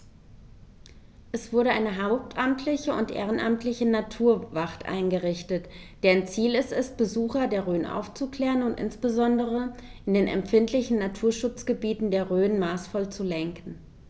Es wurde eine hauptamtliche und ehrenamtliche Naturwacht eingerichtet, deren Ziel es ist, Besucher der Rhön aufzuklären und insbesondere in den empfindlichen Naturschutzgebieten der Rhön maßvoll zu lenken.